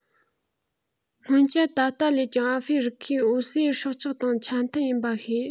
སྔོན ཆད ད ལྟ ལས ཀྱང ཨ ཧྥེ རི ཁའི འོ གསོས སྲོག ཆགས དང ཆ མཐུན ཡིན པ ཤེས